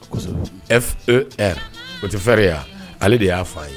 Kosɛbɛ f e r o tɛ fer ye wa. Unhun. Ale de y'a fa ye.